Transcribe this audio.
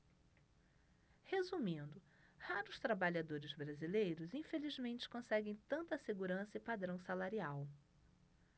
resumindo raros trabalhadores brasileiros infelizmente conseguem tanta segurança e padrão salarial